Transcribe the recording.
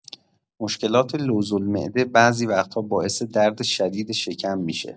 مشکلات لوزالمعده بعضی وقت‌ها باعث درد شدید شکم می‌شه.